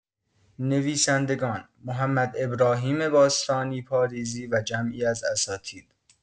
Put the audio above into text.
نویسندگان: محمدابراهیم باستانی پاریزی و جمعی از اساتید